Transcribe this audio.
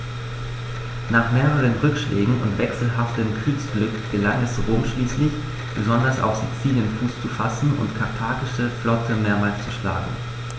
Nach mehreren Rückschlägen und wechselhaftem Kriegsglück gelang es Rom schließlich, besonders auf Sizilien Fuß zu fassen und die karthagische Flotte mehrmals zu schlagen.